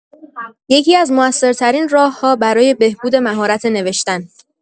یکی‌از موثرترین راه‌ها برای بهبود مهارت نوشتن